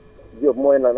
dëgg la